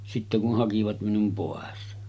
sitten kun hakivat minun pois